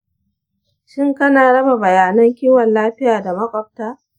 shin kana raba bayanan kiwon lafiya da makwabta?